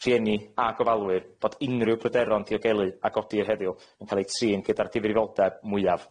rhieni a gofalwyr bod unrhyw bryderon diogelu a godir heddiw yn ca'l eu trin gyda'r difrifoldeb mwyaf, eu